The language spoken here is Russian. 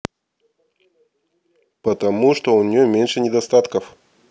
потому что у нее меньше недостатков